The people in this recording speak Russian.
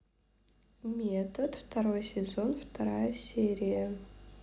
метод второй сезон вторая серия